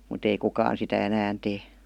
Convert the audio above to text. mutta ei kukaan sitä enää tee